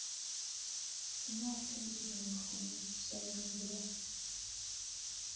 Հիմա արդեն գինի ենք խմում Սարյանի վրա։